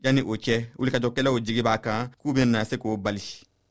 yanni o cɛ wulikajɔkɛlaw jigi b'a kan k'u bɛna se k'o bali